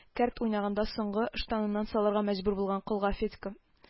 Кәрт уйнаганда соңгы ыштанын салырга мәҗбүр булган колга федька